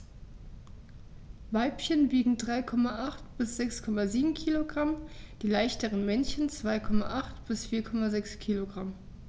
Weibchen wiegen 3,8 bis 6,7 kg, die leichteren Männchen 2,8 bis 4,6 kg.